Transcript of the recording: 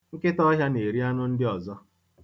Nkịtāọhịā na-eri anụ ndị ọzọ.